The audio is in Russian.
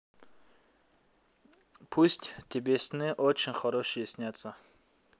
пусть тебе сны очень хорошие снятся